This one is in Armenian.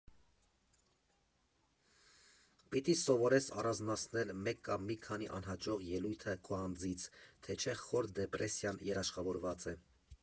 Պիտի սովորես առանձնացնել մեկ կամ մի քանի անհաջող ելույթը քո անձից, թե չէ խոր դեպրեսիան երաշխավորված է։